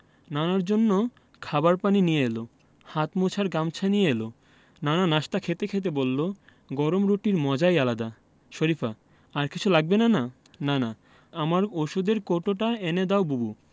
নানার জন্য খাবার পানি নিয়ে এলো হাত মোছার গামছা নিয়ে এলো নানা নাশতা খেতে খেতে বললেন গরম রুটির মজাই আলাদা শরিফা আর কিছু লাগবে নানা নানা আমার ঔষধের কৌটোটা এনে দাও বুবু